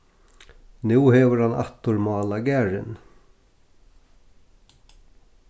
nú hevur hann aftur málað garðin